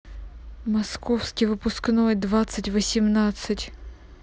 московский выпускной двадцать восемнадцать